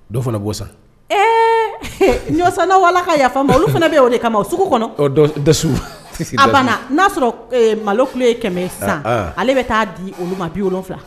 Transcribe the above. Dɔ fana'o sa ee ɲɔsanla walala ka yafa olu fana bɛ o de kama o sogo kɔnɔ da a banna n'aa sɔrɔ malo ku ye kɛmɛ san ale bɛ taa di olu ma bi wolo wolonwula